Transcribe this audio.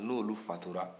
n'olu fatura